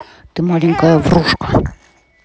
ты маленькая врушка